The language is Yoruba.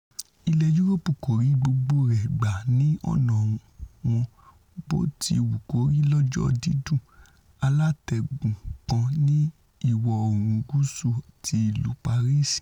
Ilẹ̀ Yúróòpù kòrí gbogbo rẹ̀ gbà ní ọ̀nà wọn bottiwukori lọ̀jọ̀ dídún, alátẹ́gùn kan ní ìwọ-oòrùn gúúsù ti ìlú Paris.